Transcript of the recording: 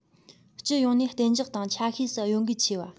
སྤྱི ཡོངས ནས གཏན འཇགས དང ཆ ཤས སུ གཡོ འགུལ ཆེ བ